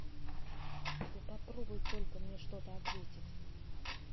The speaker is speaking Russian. да попробуй только мне что то ответить